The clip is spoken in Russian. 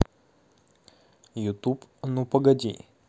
ютуб ну погоди